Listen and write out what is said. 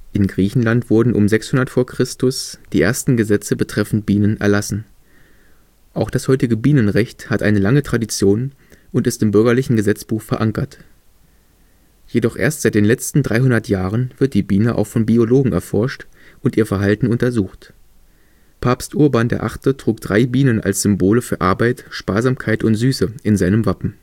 In Griechenland wurden um 600 v. Chr. die ersten Gesetze betreffend Bienen erlassen. Auch das heutige Bienenrecht hat eine lange Tradition und ist im BGB verankert. Jedoch erst seit den letzten 300 Jahren wird die Biene auch von Biologen erforscht und ihr Verhalten untersucht. Papst Urban VIII. trug drei Bienen als Symbole für Arbeit, Sparsamkeit und Süße in seinem Wappen